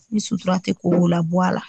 Ni sutura tɛ ko o ko la bɔ a la.